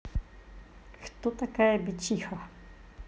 кто такая бичиха